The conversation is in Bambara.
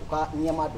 U ka ɲɛmaa don